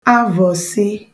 avọ̀sị